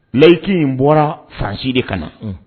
Mɛyiki in bɔra fanransi de ka na